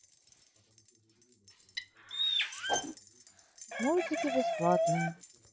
мультики бесплатные